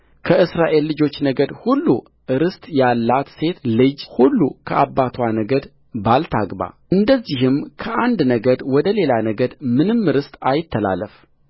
ከእስራኤል ልጆች ነገድ ሁሉ ርስት ያላት ሴት ልጅ ሁሉ ከአባትዋ ነገድ ባል ታግባእንደዚህም ከአንድ ነገድ ወደ ሌላ ነገድ ምንም ርስት አይተላለፍ